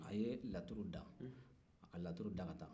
a ye laturu da ka laturu da ka taa